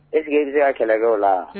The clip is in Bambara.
E sigidi kɛlɛkɛlaw la